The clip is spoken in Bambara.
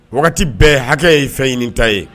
Wagati bɛɛ, hakɛ ye fɛn ɲini ta ye.